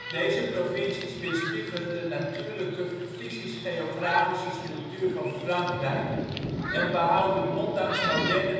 Deze provincies weerspiegelen de natuurlijke geografische gebieden van Frankrijk en behouden ondanks moderne